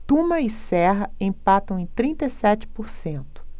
tuma e serra empatam em trinta e sete por cento